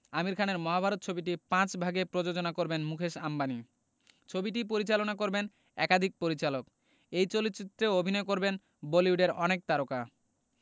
আমির খানের মহাভারত ছবিটি পাঁচ ভাগে প্রযোজনা করবেন মুকেশ আম্বানি ছবিটি পরিচালনা করবেন একাধিক পরিচালক এই চলচ্চিত্রে অভিনয় করবেন বলিউডের অনেক তারকা